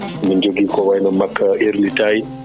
emin jogui ko wayno makka *